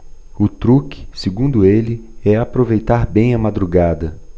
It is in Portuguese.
o truque segundo ele é aproveitar bem a madrugada